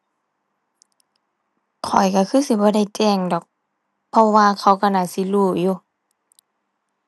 ข้อยก็คือสิบ่ได้แจ้งดอก เพราะว่าเขาก็น่าสิรู้อยู่